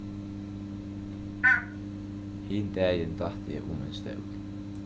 hin dagin datt eg um ein stól